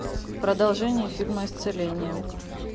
продолжение фильма исцеление